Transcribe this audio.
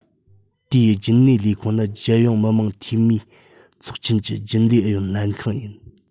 དེའི རྒྱུན གནས ལས ཁུངས ནི རྒྱལ ཡོངས མི དམངས འཐུས མིའི ཚོགས ཆེན གྱི རྒྱུན ལས ཨུ ཡོན ལྷན ཁང ཡིན